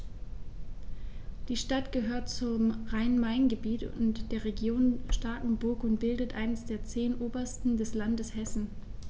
Die Stadt gehört zum Rhein-Main-Gebiet und der Region Starkenburg und bildet eines der zehn Oberzentren des Landes Hessen.